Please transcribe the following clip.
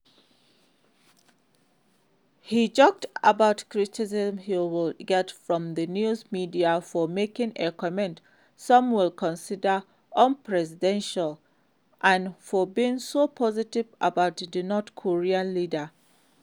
He joked about criticism he would get from the news media for making a comment some would consider "unpresidential" and for being so positive about the North Korean leader.